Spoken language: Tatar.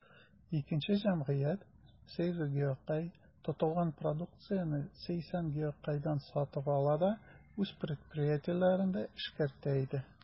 Икенче җәмгыять, «Сейзо Гиокай», тотылган продукцияне «Сейсан Гиокайдан» сатып ала да үз предприятиеләрендә эшкәртә иде.